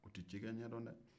u tɛ cikɛ ɲɛdɔn dɛ